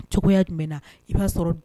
Cogoya jumɛnna i b'a sɔrɔ